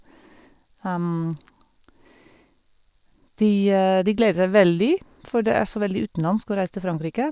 de De gleder seg veldig, for det er så veldig utenlandsk å reise til Frankrike.